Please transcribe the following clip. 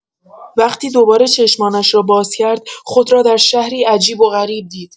وقتی دوباره چشمانش را باز کرد، خود را در شهری عجیب و غریب دید.